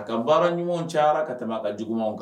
A ka baara ɲuman cayara ka tɛmɛ a ka jugumanw kan